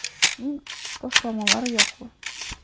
Мин ташламалар яклы.